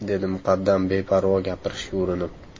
dedi muqaddam beparvo gapirishga urinib